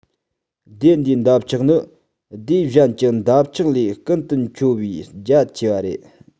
སྡེ འདིའི འདབ ཆགས ནི སྡེ གཞན གྱི འདབ ཆགས ལས ཀུན དུ འཕྱོ བའི རྒྱ ཆེ བ དང